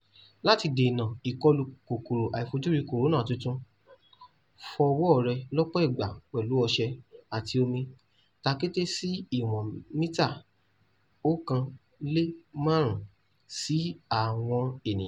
Láti dènà ìkọlù kòkòrò àìfojúrí kòrónà tuntun fọ ọwọ́ rẹ lọ́pọ̀ ìgbà pẹ̀lú ọṣẹ àti omi, takété ní ìwọ̀n mítà 1.5 sí àwọn ènìyàn.